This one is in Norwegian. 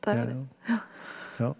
ja.